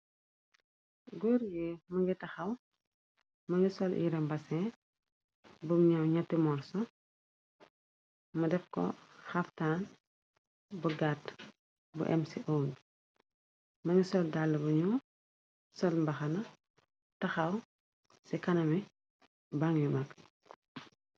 góor yee mëngi taxaw mëngi sol irem basin bum ñaw ñetti morso ma def ko xaftaan bu gaat bu m c om b mëngi sol dall buñu sol mbaxana taxaw ci kana mi ban yu mag